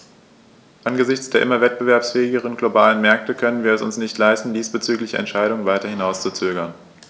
Angesichts der immer wettbewerbsfähigeren globalen Märkte können wir es uns nicht leisten, diesbezügliche Entscheidungen weiter hinauszuzögern.